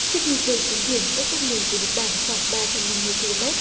trước khi rơi xuống biển cách đất liền của nhật bản khoảng ba trăm năm mươi ki lô mét